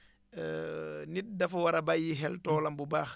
nit dafa war a bàyyi xel toolam bu baax